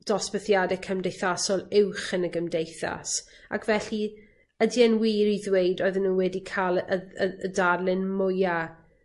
dosbarthiade cymdeithasol uwch yn y gymdeithas ac felly ydi e'n wir i ddweud oedden nw wedi ca'l y y y darlun mwya